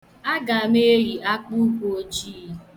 Aga m eyi akpụụkwụ ojii.